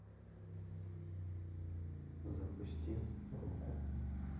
запусти руку